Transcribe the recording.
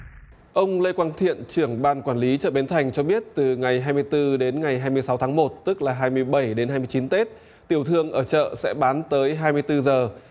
ông lê quang thiện trưởng ban quản lý chợ bến thành cho biết từ ngày hai mươi tư đến ngày hai mươi sáu tháng một tức là hai mươi bảy đến hai mươi chín tết tiểu thương ở chợ sẽ bán tới hai mươi tư giờ